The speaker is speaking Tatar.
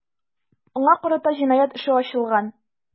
Аңа карата җинаять эше ачылган.